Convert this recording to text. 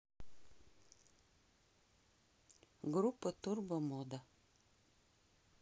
группа турбомода